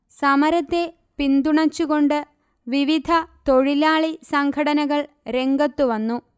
സമരത്തെ പിന്തുണച്ചുകൊണ്ട് വിവിധതൊഴിലാളി സംഘടനകൾ രംഗത്തു വന്നു